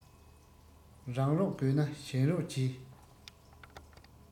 རང རོགས དགོས ན གཞན རོགས གྱིས